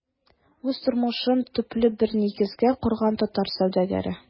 Үз тормышын төпле бер нигезгә корган татар сәүдәгәре.